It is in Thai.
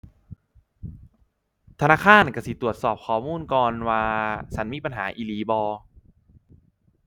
ธนาคารก็สิตรวจสอบข้อมูลก่อนว่า ฉันมีปัญหาอีหลีบ่